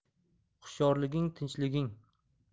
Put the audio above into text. hushyorliging tinchliging